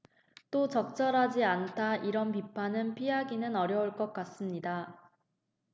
또 적절하지 않다 이런 비판은 피하기는 어려울 것 같습니다